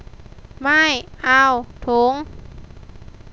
ไม่เอาถุง